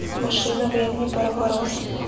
машина времени поворот